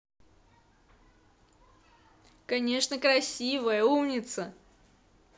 конечно красивая умница